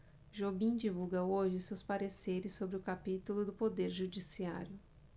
jobim divulga hoje seus pareceres sobre o capítulo do poder judiciário